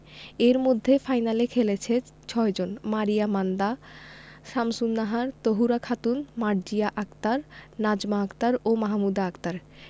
এর মধ্যে ফাইনালে খেলেছে ৬ জন মারিয়া মান্দা শামসুন্নাহার তহুরা খাতুন মার্জিয়া আক্তার নাজমা আক্তার ও মাহমুদা আক্তার